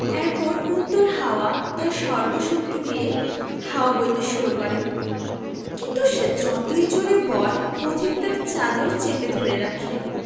এরপর উত্তর হাওয়া তার সর্ব শক্তি দিয়ে হাওয়া বইতে শুরু করে কিন্তু সে যতই জোড়ে বয় পথিক তার চাদর চেপে ধরে রাখে